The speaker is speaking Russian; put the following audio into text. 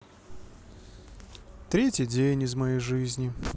третий день из моей жизни